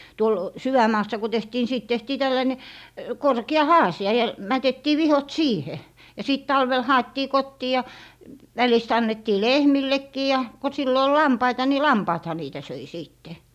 tuolla sydänmaassa kun tehtiin niin siitä tehtiin tällainen korkea haasia ja mätettiin vihkot siihen ja sitten talvella haettiin kotiin ja välistä annettiin lehmillekin ja kun silloin oli lampaita niin lampaathan niitä söi sitten